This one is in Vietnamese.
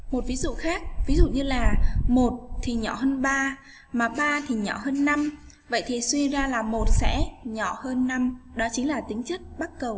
một ví dụ khác ví dụ như là thì nhỏ hơn ngã ba thì nhỏ hơn vậy thì suy ra làm một sẽ nhỏ hơn năm đó chính là tính chất bắc cầu